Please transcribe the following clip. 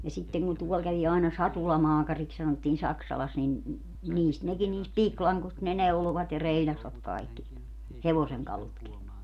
ja sitten kun ne tuolla kävi aina satulamaakariksi sanottiin Saksalassa niin niistä nekin niistä pikilangoista ne neuloivat ja reilasivat kaikki hevosenkalutkin